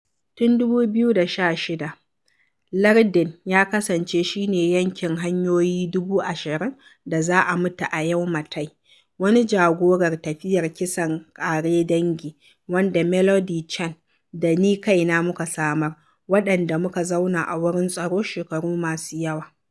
Tun 2016, lardin ya kasance shi ne yankin "hanyoyi 20,000 da za a mutu a Yu Ma Tei", wani jagorar "tafiyar kisan ƙare dangi" wanda Melody Chan da ni kaina muka samar, waɗanda muka zauna a wurin tsaro shekaru masu yawa.